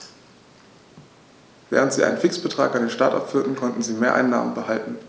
Während sie einen Fixbetrag an den Staat abführten, konnten sie Mehreinnahmen behalten.